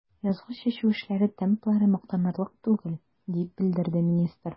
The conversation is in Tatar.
Язгы чәчү эшләре темплары мактанырлык түгел, дип белдерде министр.